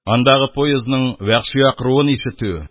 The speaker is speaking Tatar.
Андагы поездның вәхши акыруын ишетү,